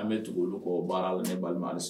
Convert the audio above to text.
An bɛ tugu kɔ baara la ni balima